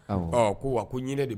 Ko wa ko ɲ de